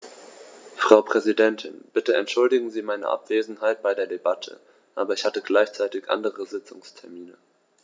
Frau Präsidentin, bitte entschuldigen Sie meine Abwesenheit bei der Debatte, aber ich hatte gleichzeitig andere Sitzungstermine.